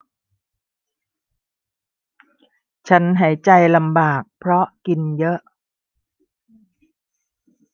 ฉันหายใจลำบากเพราะกินเยอะ